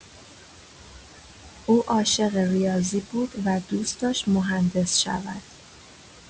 او عاشق ریاضی بود و دوست داشت مهندس شود.